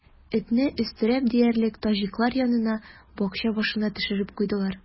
Этне, өстерәп диярлек, таҗиклар янына, бакча башына төшереп куйдылар.